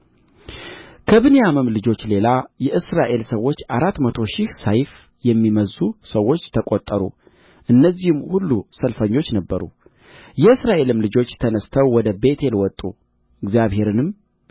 ከብንያምም ልጆች ሌላ የእስራኤል ሰዎች አራት መቶ ሺህ ሰይፍ የሚመዝዙ ሰዎች ተቈጠሩ እነዚህም ሁሉ ሰልፈኞች ነበሩ የእስራኤልም ልጆች ተነሥተው ወደ ቤቴል ወጡ እግዚአብሔርንም